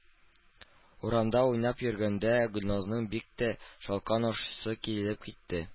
Урамда уйнап йөргәндә Гөльназның бик тә шалкан ашыйсы килеп китте